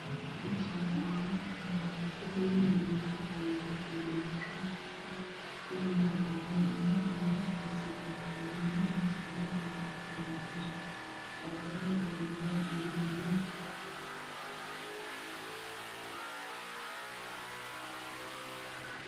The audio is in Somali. Meeshaan waa eraboor waxaa yaalo diyaarad cadaan ah niman ayaa taagtaagan nina salaad ayuu tukanahayaa, jaakado gaduudan ayay wataan.